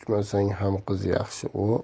quchmasang ham qiz yaxshi